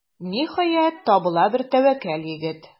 Ниһаять, табыла бер тәвәккәл егет.